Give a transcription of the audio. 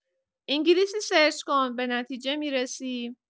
انگلیسی سرچ کن به نتیجه می‌رسی.